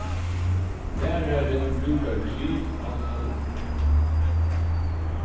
lærarin brúkar krit á talvu